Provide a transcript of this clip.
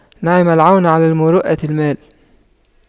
نعم العون على المروءة المال